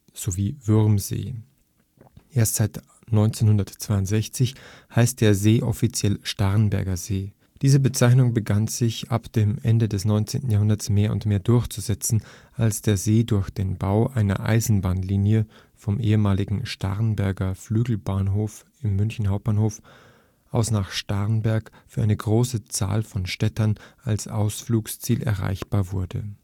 sowie Würmsee. Erst seit 1962 heißt der See offiziell Starnberger See, diese Bezeichnung begann sich ab dem Ende des 19. Jahrhunderts mehr und mehr durchzusetzen, als der See durch den Bau einer Eisenbahnlinie vom ehemaligen „ Starnberger Flügelbahnhof “im Hauptbahnhof München aus nach Starnberg für eine große Zahl von Städtern als Ausflugsziel erreichbar wurde